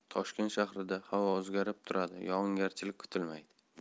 toshkent shahrida havo o'zgarib turadi yog'ingarchilik kutilmaydi